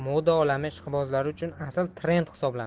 moda olami ishqibozlari uchun asl trend hisoblanadi